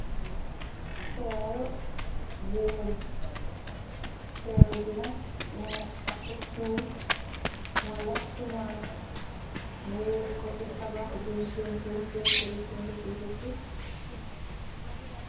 Peel bu weñ peel, peel bi nak mu ngi gina taxë suuf wala simaa ñu wéet ko ci tabax buñ pentur, penturi sunguf si bukki.